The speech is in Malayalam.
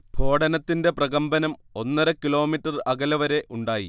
സ്ഫോടനത്തിന്റെ പ്രകമ്പനം ഒന്നര കിലോമീറ്റർ അകലെ വരെ ഉണ്ടായി